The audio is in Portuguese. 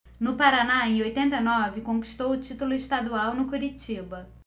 no paraná em oitenta e nove conquistou o título estadual no curitiba